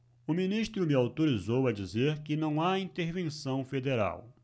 o ministro me autorizou a dizer que não há intervenção federal